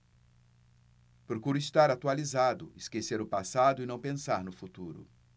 procuro estar atualizado esquecer o passado e não pensar no futuro